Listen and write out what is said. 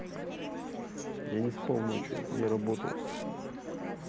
я не спал ночью я работал